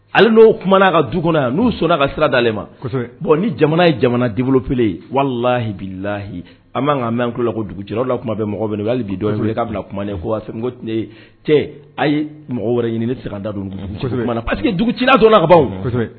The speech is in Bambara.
Ale n'o kumaumana ka du kɔnɔ yan n'u sɔnna ka sira dalenale ma bɔn ni jamana ye jamana difile walahi lahiyi a ma ka mɛn tulola ko dugucɛ la kuma bɛ mɔgɔ min' bi k'a bila kuma cɛ a ye mɔgɔ wɛrɛ ɲini ni sirada don que dugu cila don la ka